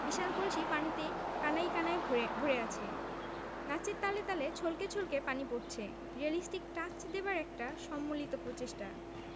বিশাল কলসি পানিতে কানায় কানায় ভরে ভরে আছে নাচের তালে তালে ছলকে ছলকে পানি পড়ছে রিয়েলিস্টিক টাচ্ দেবার একটা সম্মলিত প্রচেষ্টা